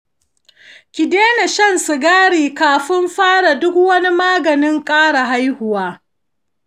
ki daina shan sigari kafin fara duk wani maganin ƙara haihuwa.